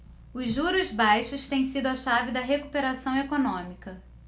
os juros baixos têm sido a chave da recuperação econômica